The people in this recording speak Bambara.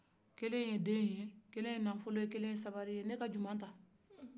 kelen ye den ye kelen nafɔlɔ ye kelen sabali ne ka jumɛn ta